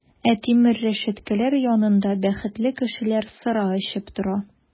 Ә тимер рәшәткәләр янында бәхетле кешеләр сыра эчеп тора!